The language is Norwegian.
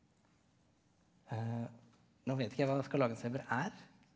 nå vet ikke jeg hva skarlagensfeber er.